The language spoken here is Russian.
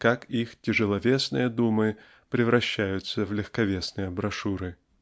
как их тяжеловесные думы превращаются в легковесные брошюры.